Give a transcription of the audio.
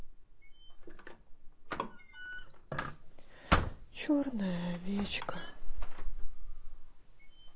черная овечка